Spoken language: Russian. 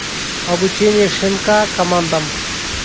обучение щенка командам